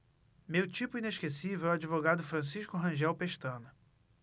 meu tipo inesquecível é o advogado francisco rangel pestana